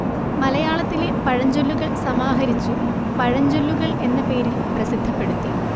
മലയാളത്തിലെ പഴഞ്ചൊല്ലുകൾ സമാഹരിച്ചു പഴഞ്ചൊല്ലുകൾ എന്ന പേരിൽ പ്രസിദ്ധപ്പെടുത്തി